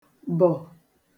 -bọ̀